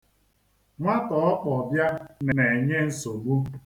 Nwata ọ kpọ bịa na-enye nsogbu.